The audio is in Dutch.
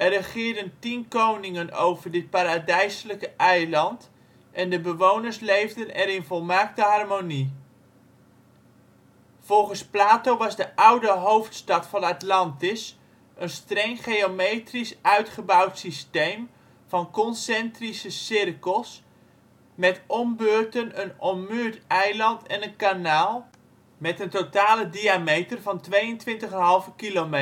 regeerden 10 koningen over dit paradijselijke eiland en de bewoners leefden er in volmaakte harmonie ". Volgens Plato was de oude hoofdstad van Atlantis een streng geometrisch uitgebouwd systeem van concentrische cirkels met om beurten een ommuurd eiland en een kanaal, met een totale doorsnede van 22,5